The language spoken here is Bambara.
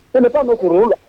Sɛnɛ bɛ kurun la